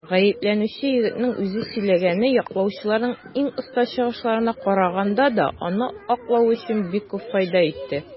Гаепләнүче егетнең үзе сөйләгәне яклаучыларның иң оста чыгышларына караганда да аны аклау өчен бик күп файда итте.